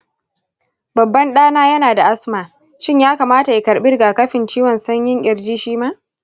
babban ɗana yana da asma; shin ya kamata ya karɓi rigakafin ciwon sanyin ƙirji shi ma?